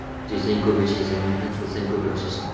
oz yesang ko'p yashaysan mehnat qilsang ko'p oshaysan